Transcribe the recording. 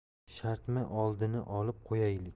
shartmi oldini olib qo'yaylik